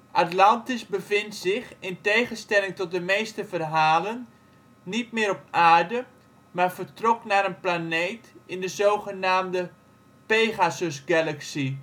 Atlantis bevindt zich, in tegenstelling tot de meeste verhalen, niet meer op aarde, maar vertrok naar een planeet in de zogenaamde Pegasus-galaxy (Pegasus-sterrenstelsel). De